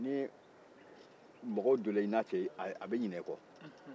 ni mɔgɔw donna i n'a cɛ a bɛ ɲina i kɔ